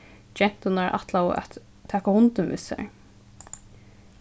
genturnar ætlaðu at taka hundin við sær